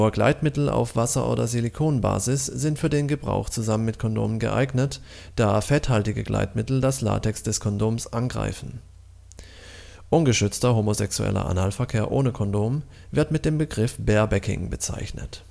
Gleitmittel auf Wasser - oder Silikon-Basis sind für den Gebrauch zusammen mit Kondomen geeignet, da fetthaltige Gleitmittel das Latex des Kondoms angreifen. Ungeschützter homosexueller Analverkehr ohne Kondom wird mit dem Begriff Barebacking bezeichnet